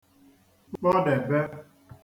kpọdèbe